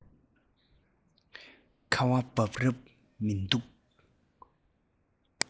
ཁ བ འབབ རབས མི འདུག